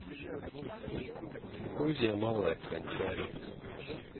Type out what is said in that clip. грузия малая кончали